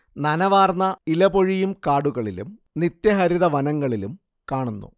നനവാർന്ന ഇലപൊഴിയും കാടുകളിലും നിത്യഹരിതവനങ്ങളിലും കാണുന്നു